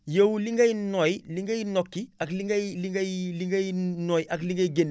yow li ngay nooyi li ngay nokki ak li ngay li ngay li ngay noy ak li ngay génne